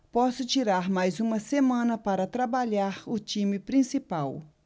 posso tirar mais uma semana para trabalhar o time principal